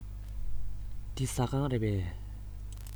འདི ཟ ཁང རེད པས